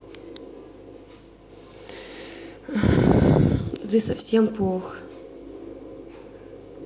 да ты совсем плох